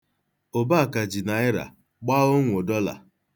Ụbaka ji naịra gbaa onwo dọla.